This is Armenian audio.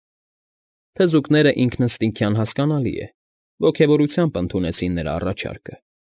Թզուկները, ինքնըստինքայն հասկանալի է, ոգևությամբ ընդունեցին նրա առաջարկը։